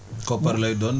koppar lay doon